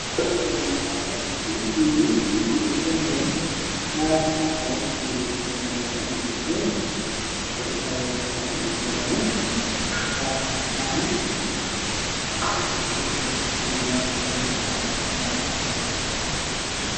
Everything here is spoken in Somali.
Waan ago iyo niman fara badan naato u soo horeyso waxay madaxa ku wadataa gabeelo waxay qabtaa saako madow ah ninka ugu soo horreeyana suud